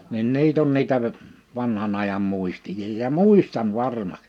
niin niitä on niitä - vanhan ajan muisteja ja muistan varmaksi